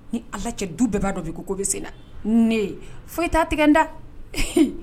Ni ala cɛ du bɛɛ b'a dɔ bi ko ko bɛ sen na n ne foyi t' tigɛ n da